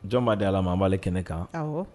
Jɔn' di ala b'ale kɛnɛ kan